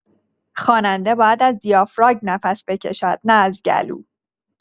خواننده باید از دیافراگم نفس بکشد، نه از گلو.